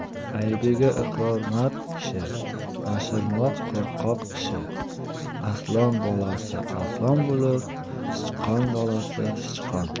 aybiga iqror mard kishi yashirmoq qo'rqoq ishi arslon bolasi arslon bo'lur sichqon bolasi sichqon